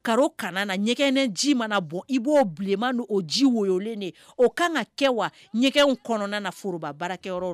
Ka kana na ɲɛgɛnen ji mana bɔ i b'o bilenman don o ji wolen de o ka kan ka kɛ wa ɲɛgɛn kɔnɔna na foroba baarakɛyɔrɔ